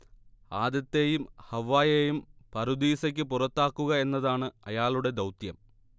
ആദത്തേയും ഹവ്വായേയും പറുദീസയ്ക്ക് പുറത്താക്കുക എന്നതാണ് അയാളുടെ ദൗത്യം